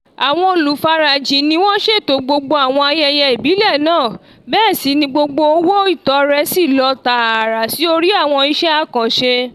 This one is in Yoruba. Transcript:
Àwọn olùfarajìn ni wọ́n ṣẹ̀tò gbogbo àwọn ayẹyẹ ìbílẹ̀ náà bẹ́ẹ̀ sì ni gbogbo owó ìtọrẹ sí lọ tààrà sí orí àwọn iṣẹ́ àkànṣe.